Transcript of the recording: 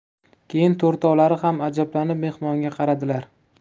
keyin to'rtovlari ham ajablanib mehmonga qaradilar